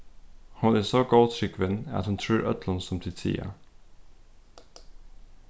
hon er so góðtrúgvin at hon trýr øllum sum tit siga